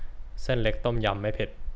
เส้นเล็กต้มยำไม่เผ็ด